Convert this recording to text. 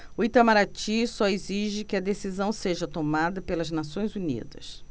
o itamaraty só exige que a decisão seja tomada pelas nações unidas